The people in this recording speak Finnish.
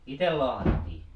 itse lahdattiin